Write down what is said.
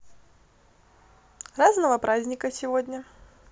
разного праздника сегодня